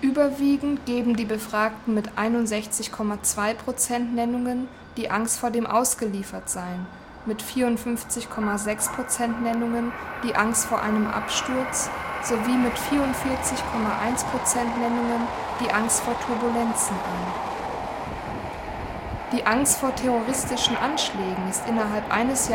Überwiegend geben die Befragten die Angst vor dem Ausgeliefertsein (61,2 % Nennungen), vor einem Absturz (54,6 % Nennungen) sowie vor Turbulenzen (44,1 % Nennungen) an. Die Angst vor terroristischen Anschlägen ist innerhalb eines Jahres